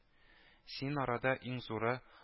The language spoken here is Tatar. - син арада иң зуры